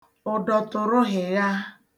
ụ̀dọ̀tụ̀rụhị̀ghàa